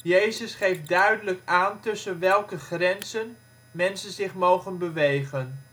Jezus geeft duidelijk aan tussen welke grenzen mensen zich mogen bewegen